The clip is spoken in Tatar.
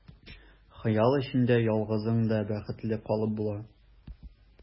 Хыял эчендә ялгызың да бәхетле калып була.